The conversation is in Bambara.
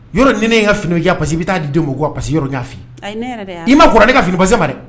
Yɔrɔ ni ne ye n ka fini di ma k'i ka repasser i bɛ taa di dɔ ma, o ka repasser yɔrɔ ne y'a f'i ye, i ma kɔrɔya ne ka fini repasser ma dɛ